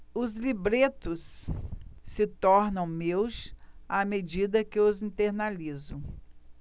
os libretos se tornam meus à medida que os internalizo